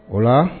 O